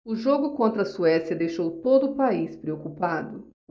o jogo contra a suécia deixou todo o país preocupado